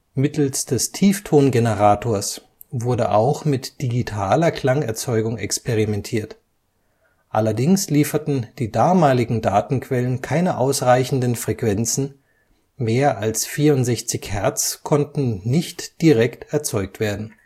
Mittels des Tiefton-Generators wurde auch mit digitaler Klangerzeugung experimentiert. Allerdings lieferten die damaligen Datenquellen keine ausreichenden Frequenzen, mehr als 64 Hertz konnten nicht direkt erzeugt werden